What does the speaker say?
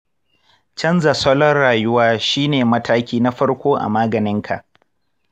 canza salon rayuwa shi ne mataki na farko a maganinka.